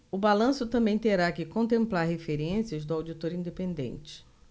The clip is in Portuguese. o balanço também terá que contemplar referências do auditor independente